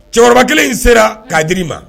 Cɛkɔrɔba kelen in sera k'a jiri ma